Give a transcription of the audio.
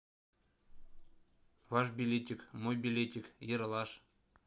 ваш билетик мой билетик ералаш